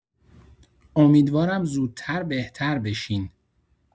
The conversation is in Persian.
امیدوارم زودتر بهتر بشین.